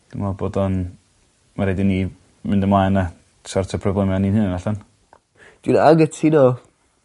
Dwi me'wl bod o'n mae raid i ni fynd ymlaen a sortio problema ni'n hun allan. Dwi'n angytuno.